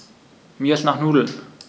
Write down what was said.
Mir ist nach Nudeln.